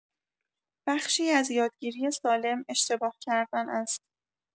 بخشی از یادگیری سالم، اشتباه‌کردن است.